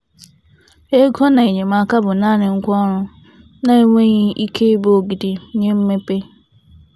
Ego na enyemaka bụ naanị ngwaọrụ na enweghị ike ịbụ ogidi nye mmepe.